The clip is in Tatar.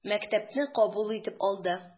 Мәктәпне кабул итеп алды.